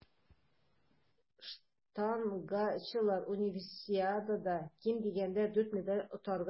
Штангачылар Универсиадада ким дигәндә дүрт медаль отарга мөмкин.